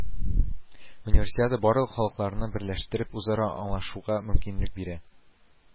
Универсиада барлык халыкларны берләштереп, үзара аңлашуга мөмкинлек бирә